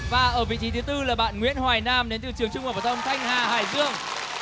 và ở vị trí thứ tư là bạn nguyễn hoài nam đến từ trường trung học phổ thông thanh hà hải dương